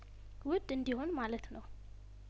ውድ እንዲሆን ማለት ነው